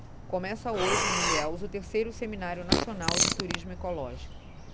começa hoje em ilhéus o terceiro seminário nacional de turismo ecológico